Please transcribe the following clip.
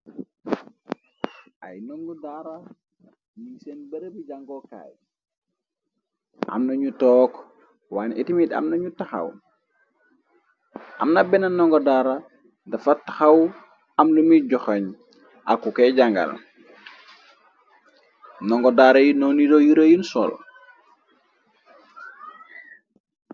Ay ndongo daara miñ seen bërabi jàngookaay amna ñu took waane itimite amnañu taxaw amna benn ndongo daara dafa taxaw am lumi joxañ aku kay jàngal ndongo daara yi nooniro yura yun sool.